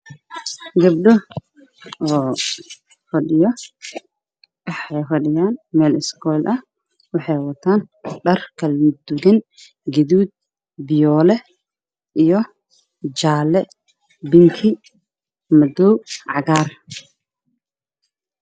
Bishaan waxaa jooga nooga badan waxayna akhrisanayaal waxayna ku fadhiyaan kursiyaal waxaa nool mrs caddaan ah jawaabta u saris xabsiga jaal